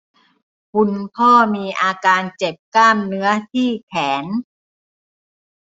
คุณพ่อมีอาการเจ็บกล้ามเนื้อที่แขน